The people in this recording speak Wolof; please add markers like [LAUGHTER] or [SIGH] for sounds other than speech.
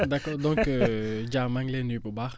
[LAUGHS] d' accord donc [HESITATION] Dia maa ngi lay nuyu bu baax